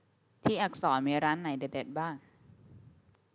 ที่อักษรมีร้านไหนเด็ดเด็ดบ้าง